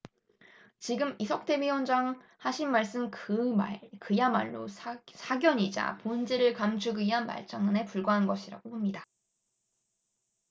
지금 이석태 위원장 하신 말씀은 그야말로 사견이자 본질을 감추기 위한 말장난에 불과한 것이라고 봅니다